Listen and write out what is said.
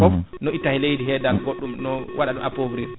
foof no itta e leydi he dal goɗɗum no waɗaɓe apo*